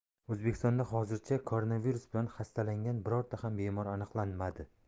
o'zbekistonda hozircha koronavirus bilan xastalangan birorta ham bemor aniqlanmadi